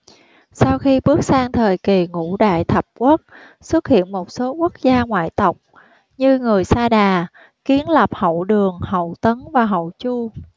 sau khi bước sang thời kỳ ngũ đại thập quốc xuất hiện một số quốc gia ngoại tộc như người sa đà kiến lập hậu đường hậu tấn và hậu chu